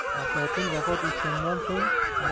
aflotun vafot etgandan so'ng arastu